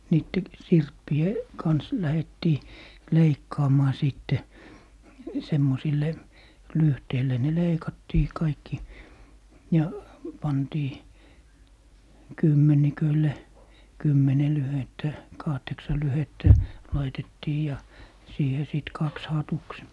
niiden sirppien kanssa lähdettiin leikkaamaan sitten semmoisille lyhteille ne leikattiin kaikki ja pantiin kymmenikölle kymmenen lyhdettä kahdeksan lyhdettä laitettiin ja siihen sitten kaksi hatuksi